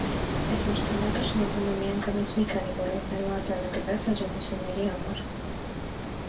Այս մրցանակը շնորհվում է միանգամից մի քանի ոլորտներում արձանագրված հաջողությունների համար։